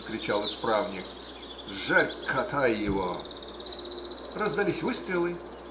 - закричал исправник. - Жарь катай его! Раздались выстрелы.